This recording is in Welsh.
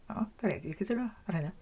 O dan ni 'di cytuno ar hwnna.